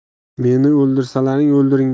meni o'ldirsalaring o'ldiringlar